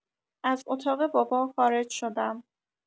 از اتاق بابا خارج شدم.